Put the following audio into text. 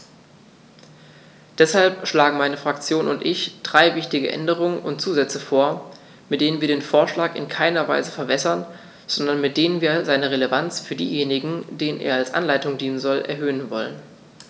Deshalb schlagen meine Fraktion und ich drei wichtige Änderungen und Zusätze vor, mit denen wir den Vorschlag in keiner Weise verwässern, sondern mit denen wir seine Relevanz für diejenigen, denen er als Anleitung dienen soll, erhöhen wollen.